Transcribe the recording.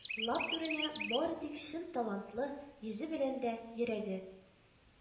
Лап түренә бары тик чын талантлы, йөзе белән дә, йөрәге